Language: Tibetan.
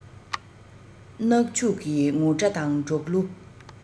གནག ཕྱུགས ཀྱི ངུར སྒྲ དང འབྲོག གླུ